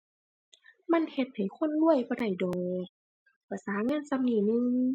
มันเฮ็ดให้คนรวยบ่ได้ดอก ประสาเงินส่ำนี้หนึ่ง